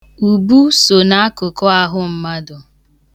Ubu so n'akụkụ ahụ mmadụ.